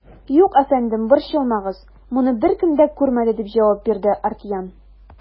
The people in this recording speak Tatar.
Юк, әфәндем, борчылмагыз, моны беркем дә күрмәде, - дип җавап бирде д ’ Артаньян.